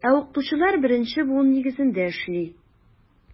Ә укытучылар беренче буын нигезендә эшли.